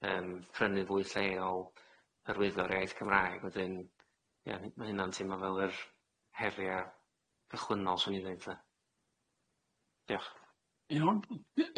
yym prynu'n fwy lleol arwyddo ar iaith Cymraeg wedyn ie ma' hynna'n teimo fel yr heria cychwynnol swn i'n ddeudlle.